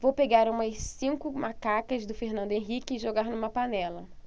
vou pegar umas cinco macacas do fernando henrique e jogar numa panela